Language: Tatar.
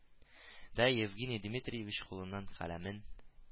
Дә евгений дмитриевич кулыннан каләмен